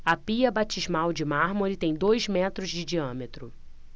a pia batismal de mármore tem dois metros de diâmetro